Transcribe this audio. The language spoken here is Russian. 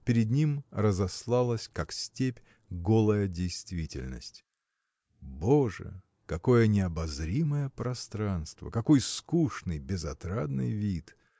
перед ним разостлалась, как степь, голая действительность. Боже! какое необозримое пространство! какой скучный, безотрадный вид!